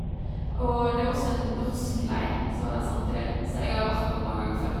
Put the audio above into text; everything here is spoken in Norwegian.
Og det var også en norsk leir som var der samtidig, som jeg har vært på mange ganger før.